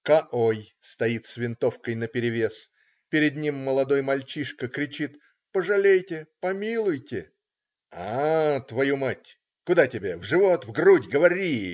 К-ой стоит с винтовкой наперевес - перед ним молодой мальчишка кричит: "пожалейте! помилуйте!" "А. твою мать! Куда тебе - в живот, в грудь! говори.